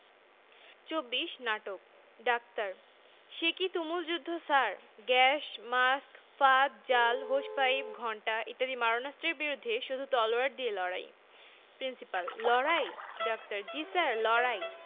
২৪ নাটক ডাক্তার সেকি তুমুল যুদ্ধ স্যার গ্যাস মাস্ক ফাঁদ জাল হোস পাইপ ঘণ্টা ইত্যাদি মারণাস্ত্রের বিরুদ্ধে শুধু তলোয়ার দিয়ে লড়াই প্রিন্সিপাল লড়াই ডাক্তার জ্বী স্যার লড়াই